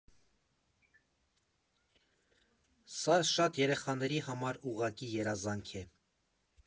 Սա շատ երեխաների համար ուղղակի երազանք է։